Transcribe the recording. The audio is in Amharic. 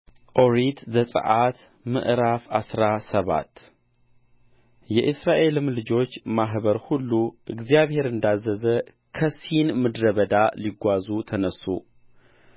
ኦሪት ዘጽአት ምዕራፍ አስራ ሰባት የእስራኤልም ልጆች ማኅበር ሁሉ እግዚአብሔር እንዳዘዘ ከሲን ምድረ በዳ ሊጓዙ ተነሡ